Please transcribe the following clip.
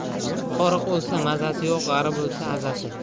oriq o'lsa mazasi yo'q g'arib o'lsa azasi